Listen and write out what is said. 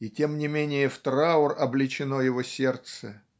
и тем не менее в траур облечено его сердце